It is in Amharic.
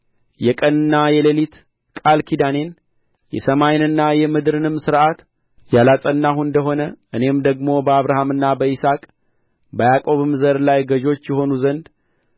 የቀንና የሌሊት ቃል ኪዳኔን የሰማይንና የምድርንም ሥርዓት ያላጸናሁ እንደሆነ እኔም ደግሞ በአብርሃምና በይስሐቅ በያዕቆብም ዘር ላይ ገዦች ይሆኑ ዘንድ